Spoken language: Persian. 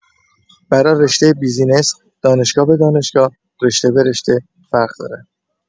برا رشته بیزینس، دانشگاه به دانشگاه، رشته به رشته، فرق داره.